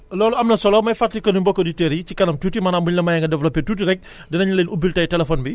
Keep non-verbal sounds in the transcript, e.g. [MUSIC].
loolu am na solo may fàttali que ni mbokku auditeurs yi ci kanam tuuti maanaam bu ñu la mayee nga développé tuuti rek [BREATH] dinañ leen ubbil tey téléphone bi